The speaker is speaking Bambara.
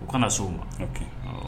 U kana se o ma